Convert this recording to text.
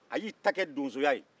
a y'i ta kɛ donsoya ye